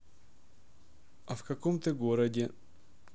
а в каком ты городе